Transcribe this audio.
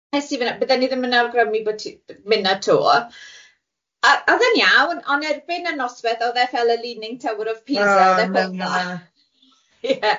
Wnes i fyna, bydden i ddim yn awgrymu bo' ti myn na to, a odd e'n iawn ond erbyn y nosweth odd e fel y Leaning Tower o Pisa o pyddan ie.